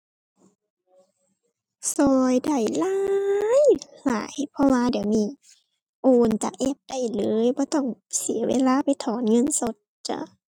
ช่วยได้หลายหลาย เพราะว่าเดี๋ยวนี้โอนจากแอปได้เลย บ่ต้องเสียเวลาไปถอนเงินสดจ้า